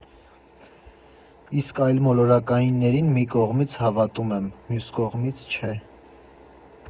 Իսկ այլմոլորակայիններին մի կողմից հավատում եմ, մյուս կողմից՝ չէ։